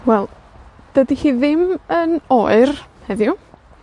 Wel, dydi hi ddim yn oer heddiw.